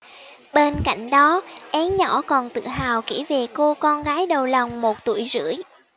bên cạnh đó én nhỏ còn tự hào kể về cô con gái đầu lòng một tuổi rưỡi